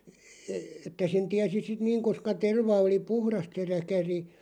- että sen tiesi sitten niin koska terva oli puhdasta se räkäri